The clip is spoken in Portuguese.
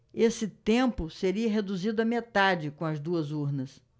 esse tempo seria reduzido à metade com as duas urnas